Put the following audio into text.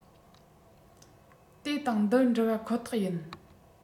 དེ དང འདི འདྲི བར ཁོ ཐག ཡིན